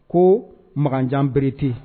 Koo Maganjan Berete